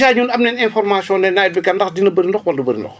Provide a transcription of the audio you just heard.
* ñun am nañ information ne nawet bi kat dina bëri ndox wala du bëri ndox